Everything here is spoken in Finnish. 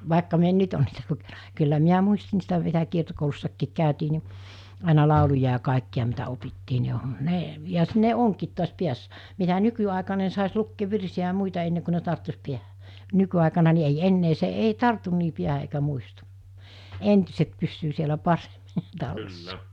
vaikka minä en nyt ole niitä lukenut kyllä minä muistin niistä vielä kiertokoulussakin käytiin niin aina lauluja ja kaikkia mitä opittiin niin ne ja ne onkin tuossa päässä mitä nykyaikaan ne saisi lukea virsiä ja muita ennen kuin ne tarttuisi päähän nykyaikana niin ei enää se ei tartu niin päähän eikä muistu entiset pysyy siellä paremmin tallessa